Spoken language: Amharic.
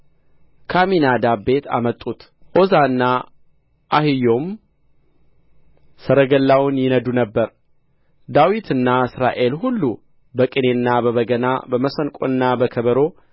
ከአሚናዳብም ቤት አመጡት ዖዛና አሒዮም ሠረገላውን ይነዱ ነበር ዳዊትና እስራኤል ሁሉ በቅኔና በበገና በመሰንቆና በከበሮ